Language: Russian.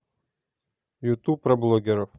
ютуб про блогеров